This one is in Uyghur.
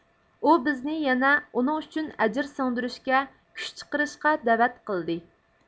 ئۇ بىزنى يەنە ئۇنىڭ ئۈچۈن ئەجىر سىڭدۈرۈشكە كۈچ چىقىرىشقا دەۋەت قىلدى